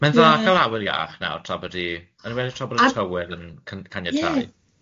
Ma'n dda ca'l awyr iach nawr tra bod 'i yn well tra bod y tywydd yn cyn- caniatáu.